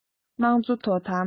དམངས གཙོ དོ དམ